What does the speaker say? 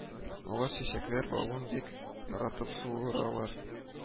Алар чәчәкләр балын бик яратып суыралар